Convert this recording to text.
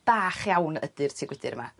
bach iawn ydi'r tŷ gwydyr yma.